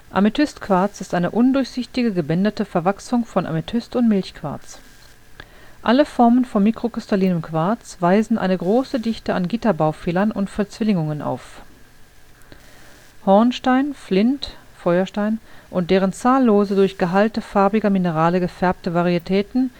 Amethystquarz ist eine undurchsichtige, gebänderte Verwachsung von Amethyst und Milchquarz. Alle Formen von mikrokristallinem Quarz weisen eine große Dichte an Gitterbaufehlern und Verzwillingungen auf. Karneol Hornstein, Flint (Feuerstein) und deren zahllose, durch Gehalte farbiger Minerale gefärbte, Varietäten